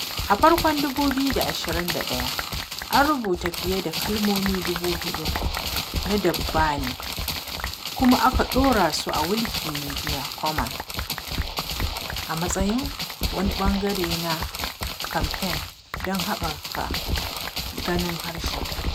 A farkon 2021, an rubuta fiye da kalmomi 4,000 na Dagbani kuma aka ɗora su a Wikimedia Commons a matsayin wani ɓangare na kamfen don haɓaka ganin harshen.